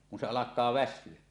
kun se alkaa väsyä